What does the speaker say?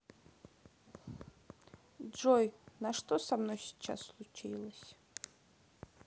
джой на что со мной сейчас случилось